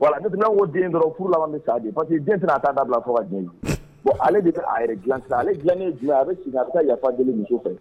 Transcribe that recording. wa ne tun ko den dɔrɔn furulama bɛ pa que den sera a taa da bila fɔ den wa ale de bɛ a dila ale dilanen jumɛn a bɛ a bɛ ka yafa jeli muso fɛ